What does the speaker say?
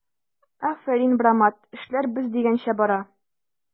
Афәрин, брамат, эшләр без дигәнчә бара!